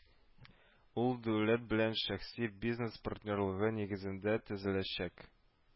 Ул дәүләт белән шәхси бизнес партнерлыгы нигезендә төзеләчәк